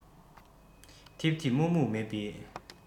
ཐིབ ཐིབ སྨུག སྨུག མེད པའི